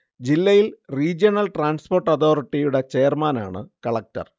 ജില്ലയിലെ regional transport അതോറിറ്റിയുടെ ചെയർമാനാണ് കളക്ടർ